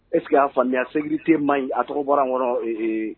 Ɛseke y'a faamuya sɛgte ma ɲi a tɔgɔ bɔra nkɔrɔ